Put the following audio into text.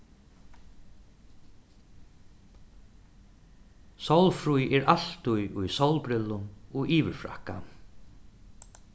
sólfríð er altíð í sólbrillum og yvirfrakka